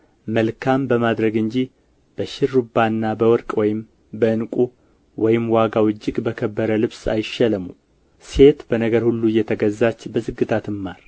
መልካም በማድረግ እንጂ በሽሩባና በወርቅ ወይም በዕንቍ ወይም ዋጋው እጅግ በከበረ ልብስ አይሸለሙ ሴት በነገር ሁሉ እየተገዛች በዝግታ ትማር